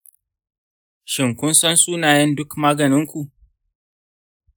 shin, kun san sunayen duk maganin ku?